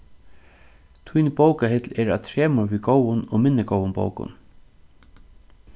tín bókahill er á tremur við góðum og minni góðum bókum